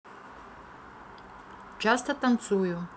часто танцую